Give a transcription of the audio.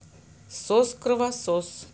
сос кровосос